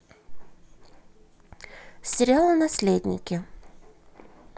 сериал наследники